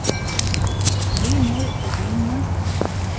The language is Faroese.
linur og vinur